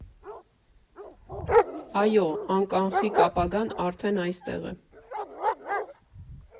Այո, անկանխիկ ապագան արդեն այստեղ է։